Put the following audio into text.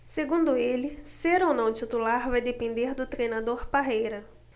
segundo ele ser ou não titular vai depender do treinador parreira